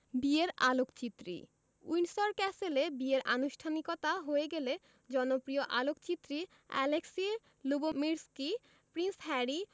বিয়ের আলোকচিত্রী উইন্ডসর ক্যাসেলে বিয়ের আনুষ্ঠানিকতা হয়ে গেলে জনপ্রিয় আলোকচিত্রী অ্যালেক্সি লুবোমির্সকি প্রিন্স হ্যারি